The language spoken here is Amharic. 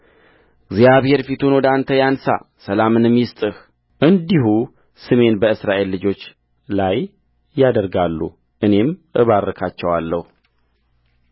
እግዚአብሔር ፊቱን ወደ አንተ ያንሣ ሰላምንም ይስጥህእንዲሁ ስሜን በእስራኤል ልጆች ላይ ያደርጋሉ እኔም እባርካቸዋለሁ